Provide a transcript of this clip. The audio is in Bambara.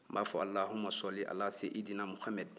n b'a fɔ alahu masɔli ala seyidina muhamed